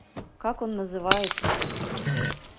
как он называется то